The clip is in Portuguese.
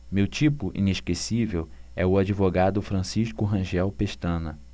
meu tipo inesquecível é o advogado francisco rangel pestana